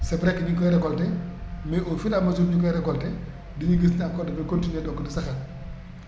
c' est vrai que ñu ngi koy récolté mais fur et à mesure ñu koy récolter dañuy gis ne encore dafay continuer donc di saxaat